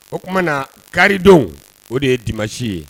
O tumana na karidenw o de ye di masi ye